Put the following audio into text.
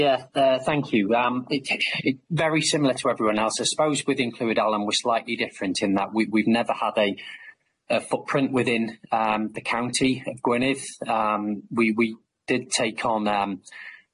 Yeah yy thank you yym it it very similar to everyone else I suppose within Clwyd Alan we're slightly different in that we we've never had a a footprint within yym the county of Gwynedd yym we we did take on yym